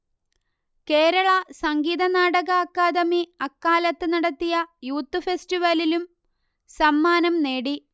കേരള സംഗീതനാടക അക്കാദമി അക്കാലത്ത് നടത്തിയ യൂത്ത് ഫെസ്റ്റിവലിലും സമ്മാനംനേടി